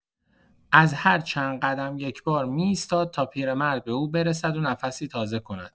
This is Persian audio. از هر چند قدم یک‌بار می‌ایستاد تا پیرمرد به او برسد و نفسی تازه کند.